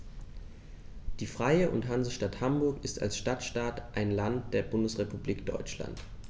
Die Freie und Hansestadt Hamburg ist als Stadtstaat ein Land der Bundesrepublik Deutschland.